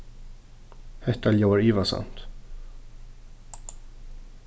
hetta ljóðar ivasamt